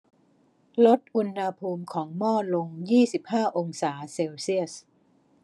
ลดอุณหภูมิของหม้อลงยี่สิบห้าองศาเซลเซียส